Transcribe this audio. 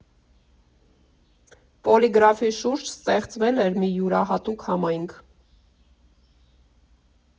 Պոլիգրաֆի շուրջ ստեղծվել էր մի յուրահատուկ համայնք։